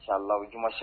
Sa la uuma se